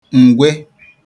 ngwe